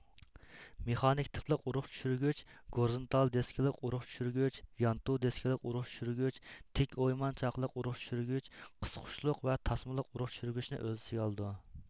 مېخانىك تىپلىق ئۇرۇق چۈشۈرگۈچ گورىزۇنتال دىسكىلىق ئۇرۇق چۈشۈرگۈچ يانتۇ دېسكىلىق ئۇرۇق چۈشۈرگۈچ تىك ئويمان چاقلىق ئۇرۇق چۈشۈرگۈچ قىسقۇچلۇق ۋە تاسمىلىق ئۇرۇق چۈشۈرگۈچنى ئۆز ئىچىگە ئالىدۇ